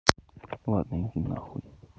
ладно иди нахуй